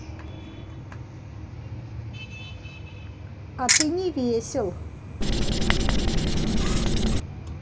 а ты не весел